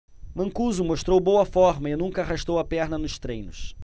mancuso mostrou boa forma e nunca arrastou a perna nos treinos